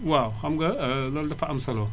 waaw xam nga loolu dafa am solo